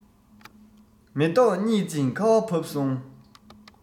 མེ ཏོག རྙིད ཅིང ཁ བ བབས སོང